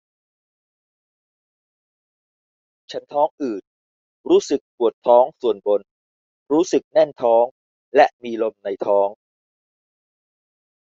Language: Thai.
ฉันท้องอืดรู้สึกปวดท้องส่วนบนรู้สึกแน่นท้องและมีลมในท้อง